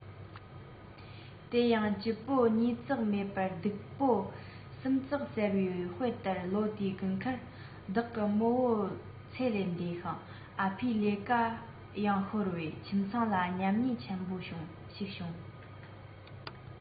དེ ཡང སྐྱིད པོ ཉིས རྩེག མེད པར སྡུག པོ གསུམ རྩེག ཟེར བའི དཔེ ལྟར ལོ དེའི དགུན ཁར བདག གི རྨོ བོ ཚེ ལས འདས ཤིང ཨ ཕའི ལས ཀ ཡང ཤོར བས ཁྱིམ ཚང ལ ཉམ ཉེས ཆེན པོ ཞིག བྱུང